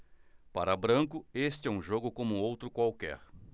para branco este é um jogo como outro qualquer